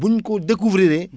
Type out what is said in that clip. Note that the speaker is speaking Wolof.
buñ ko découvrir